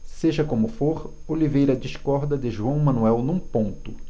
seja como for oliveira discorda de joão manuel num ponto